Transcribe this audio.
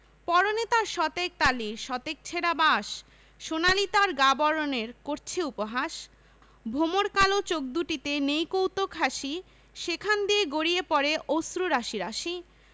পরনে তার শতেক তালির শতেক ছেঁড়া বাস সোনালি তার গা বরণের করছে উপহাস ভমর কালো চোখ দুটিতে নেই কৌতুক হাসি সেখান দিয়ে গড়িয়ে পড়ে অশ্রু রাশি রাশি